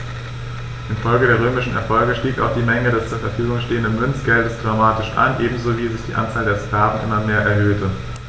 Infolge der römischen Erfolge stieg auch die Menge des zur Verfügung stehenden Münzgeldes dramatisch an, ebenso wie sich die Anzahl der Sklaven immer mehr erhöhte.